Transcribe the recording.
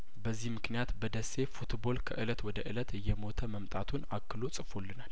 በዚህ ምክንያት በደሴ ፉትቦል ከእለት ወደ እለት እየሞተ መምጣቱን አክሎ ጽፎልናል